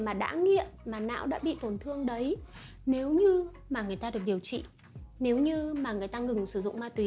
người mà đã nghiện não đã bị tổn thương ây nếu như mà người ta điều trị nếu như mà người ta ngừng sử dụng ma túy